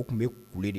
O tun bɛ kule de